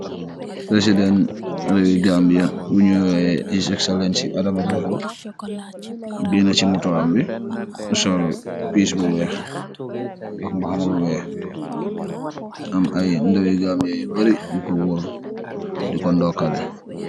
President raweh Gambia buyuh oyeh , his excellency Adama Barrow, kehna si motom bi , bu sol bess bu weeh ak mbahana bu weeh amm ayy doweeh Gambian yu bareh yu kooh worr, dikoh dohkaleh.